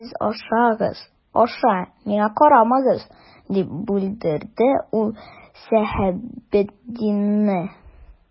Сез ашагыз, аша, миңа карамагыз,— дип бүлдерде ул Сәхәбетдинне.